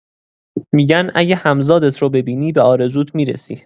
می‌گن اگه همزادت رو ببینی، به آرزوت می‌رسی.